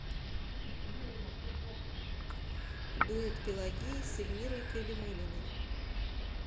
дуэт пелагеи с эльмирой калимуллиной